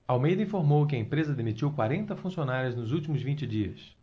almeida informou que a empresa demitiu quarenta funcionários nos últimos vinte dias